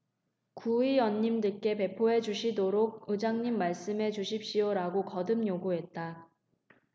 구의원님들께 배포해 주시도록 의장님 말씀해 주십시오라고 거듭 요구했다